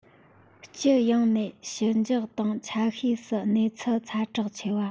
སྤྱི ཡོངས ནས ཞི འཇགས དང ཆ ཤས སུ གནས ཚུལ ཛ དྲག ཆེ བ